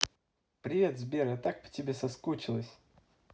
привет сбер я так по тебе соскучилась